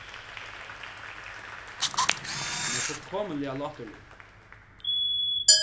hann er fullkomiliga láturligur